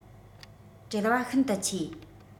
བྲེལ བ ཤིན ཏུ ཆེ